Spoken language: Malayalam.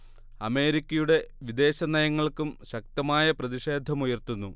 അമേരിക്കയുടെ വിദേശനയങ്ങൾക്കും ശക്തമായ പ്രതിഷേധമുയർത്തുന്നു